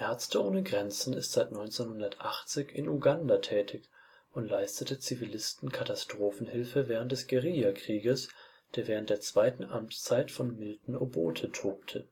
Ärzte ohne Grenzen ist seit 1980 in Uganda tätig und leistete Zivilisten Katastrophenhilfe während des Guerilla-Krieges, der während der zweiten Amtszeit von Milton Obote tobte